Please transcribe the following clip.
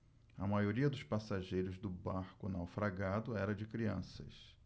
a maioria dos passageiros do barco naufragado era de crianças